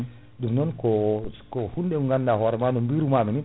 ɗum non hunde nde ganduɗa hoorema no birumami ni